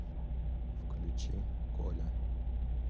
включи коля